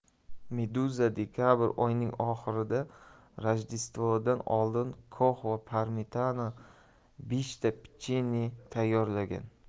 meduzadekabr oyining oxirida rojdestvodan oldin kox va parmitano beshta pechenye tayyorlagan